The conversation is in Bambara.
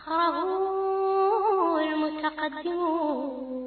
San mɔinɛgɛnin yo